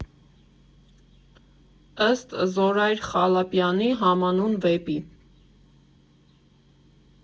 Ըստ Զորայր Խալափյանի համանուն վեպի։